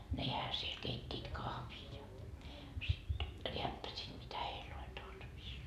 nehän siellä keittivät kahvia ja sitten rääppäsivät mitä heillä oli tarvis